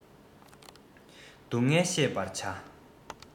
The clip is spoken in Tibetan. སྡུག བསྔལ ཤེས པར བྱ